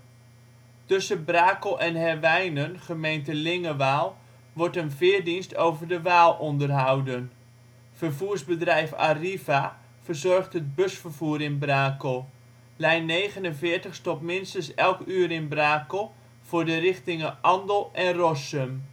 Tussen Brakel en Herwijnen (gemeente Lingewaal) wordt een veerdienst over de Waal onderhouden. Vervoersbedrijf Arriva verzorgt het busvervoer in Brakel. Lijn 49 stopt minstens elk uur in Brakel voor de richtingen Andel en Rossum